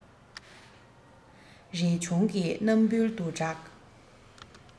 རས ཆུང གི རྣམ སྤྲུལ དུ གྲགས